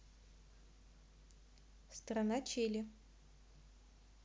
страна чили